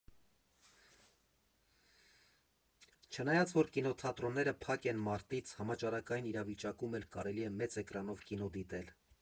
Չնայած, որ կինոթատրոնները փակ են մարտից, համաճարակային իրավիճակում էլ կարելի է մեծ էկրանով կինո դիտել.